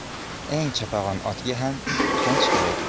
eng chopag'on otga ham qamchi kerak